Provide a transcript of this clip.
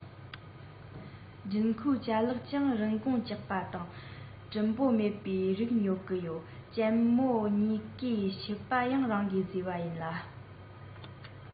རྒྱུན མཁོའི ཅ ལག ཀྱང རིན གོང བཅག པ དང བྲིན པོ མེད པའི རིགས ཉོ གི ཡོད གཅེན མོ གཉིས ཀའི ཕྱུ པ ཡང རང གིས བཟོས པ ཡིན ལ